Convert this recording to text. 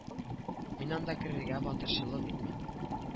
Мин анда керергә батырчылык итмим